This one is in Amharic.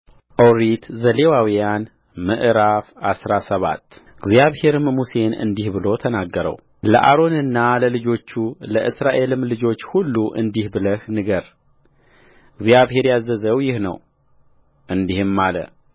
ኦሪት ዘሌዋውያን ምዕራፍ አስራ ሰባት እግዚአብሔርም ሙሴን እንዲህ ብሎ ተናገረውለአሮንና ለልጆቹ ለእስራኤልም ልጆች ሁሉ እንዲህ ብለህ ንገር እግዚአብሔር ያዘዘው ይህ ነው እንዲህም አለ